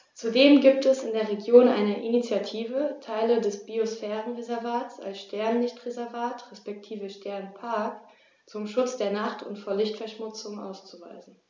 Zudem gibt es in der Region eine Initiative, Teile des Biosphärenreservats als Sternenlicht-Reservat respektive Sternenpark zum Schutz der Nacht und vor Lichtverschmutzung auszuweisen.